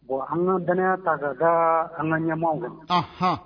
Bon an ka danya ta ka da an ka ɲɛmaw la hɔn